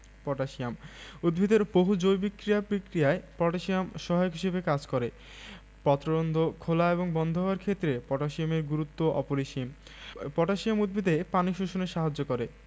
potassium উদ্ভিদের বহু জৈবিক ক্রিয়া বিক্রিয়ায় পটাশিয়াম সহায়ক হিসেবে কাজ করে পত্ররন্ধ্র খেলা এবং বন্ধ হওয়ার ক্ষেত্রে পটাশিয়ামের গুরুত্ব অপরিসীম পটাশিয়াম উদ্ভিদে পানি শোষণে সাহায্য করে